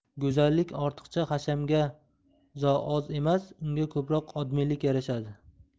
go'zallik ortiqcha hashamga zo oz emas unga ko'proq odmilik yarashadi